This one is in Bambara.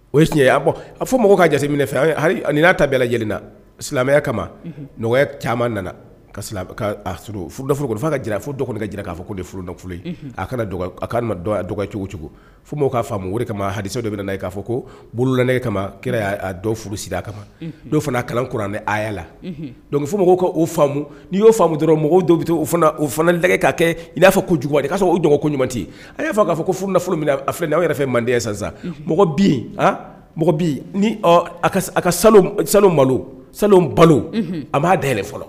O ye tiɲɛ a a fo mɔgɔw ka jate min fɛ n'a ta bɛɛ lajɛlen na silamɛya kama nɔgɔya caman nana ka furu' ka jara fo dɔgɔnin ka jira k'a fɔ ko furufolo a dɔgɔ ye cogo cogo fo ka kama hali de bɛ na i'a fɔ ko bololanɛ kama kira y'a dɔ furu sira kama dɔw fana kalankura aya la don fɔ mɔgɔw faamu n'i yo faamumu dɔrɔn dɔw bɛ u fana o fana dɛgɛ k' kɛ'a fɔ ko jugu k'a sɔrɔ o jɔ koɲumanti a y'a k'a fɔ ko f a filɛ anw yɛrɛ fɛ manden ye san mɔgɔ mɔgɔ a sanu malo sanu balo a b'a da yɛlɛ fɔlɔ